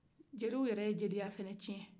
jeliw yɛrɛ ye jeliya fana cɛn